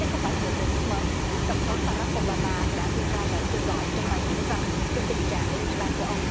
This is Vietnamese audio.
đây không phải là một đề xuất mới tổng thống ba rách ô ba ma đã đưa ra lời kêu gọi trong bài diễn văn về tình trạng liên bang của ông